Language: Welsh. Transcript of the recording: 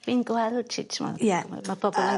achos fi'n gweld ti t'mod... Ie. ... ma' ma' bobol yn...